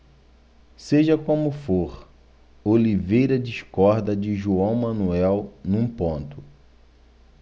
seja como for oliveira discorda de joão manuel num ponto